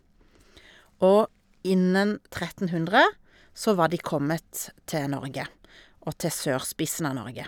Og innen tretten hundre så var de kommet til Norge og til sørspissen av Norge.